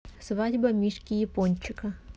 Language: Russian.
свадьба мишки япончика